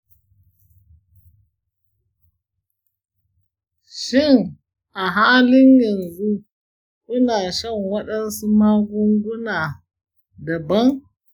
shin a halin yanzu kuna shan wadansu magunguna daban?